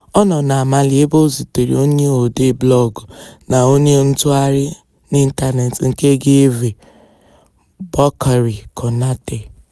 Ọ nọ na Mali ebe ọ zutere onye odee blọọgụ na onye ntụgharị n'ịntanetị nke GV, Boukary Konaté.